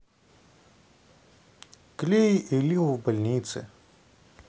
клей и lil в больнице